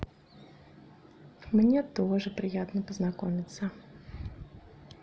мне тоже приятно познакомиться